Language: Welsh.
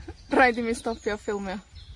Rhaid i mi stopio ffilmio.